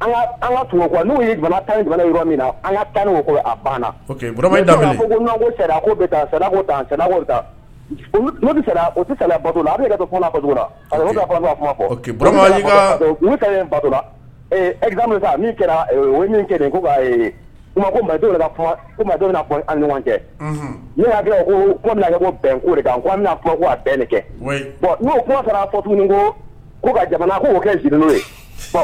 N' ye tan yɔrɔ min na an ka a bannato bɛ bato kɛra o' ɲɔgɔn ne y'a bɛn de kan bɛn kɛ bɔn n'o kumat ko ko jamana kɛ z n'o ye o